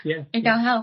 Ie. I ga'l help...